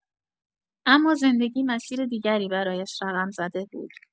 اما زندگی مسیر دیگری برایش رقم زده بود.